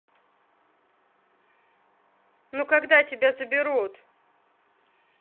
ну когда тебя заберут